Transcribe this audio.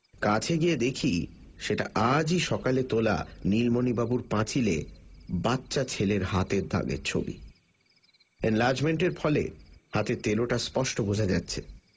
কাছে গিয়ে দেখি সেটা আজই সকলে তোলা নীলমণিবাবুর পাঁচিলে বাচ্চা ছেলের হাতের দাগের ছবিটা এনলার্জমেন্টের ফলে হাতের তেলোটা স্পষ্ট বোঝা যাচ্ছে